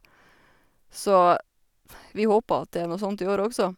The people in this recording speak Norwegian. Så vi håper at det er noe sånt i år også.